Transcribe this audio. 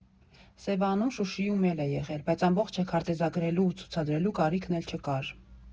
«Սևանում, Շուշիում էլ է եղել, բայց ամբողջը քարտեզագրելու ու ցուցադրելու կարիքն էլ չկար։